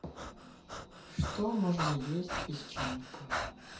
что можно есть песчанкам